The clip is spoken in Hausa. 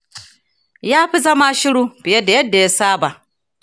ya fi zama shiru fiye da yadda ya saba.